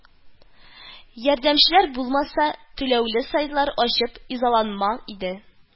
Ярдәмчеләр булмаса, түләүле сайтлар ачып изаланмам инде